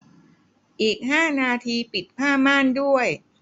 อีกห้านาทีปิดผ้าม่านด้วย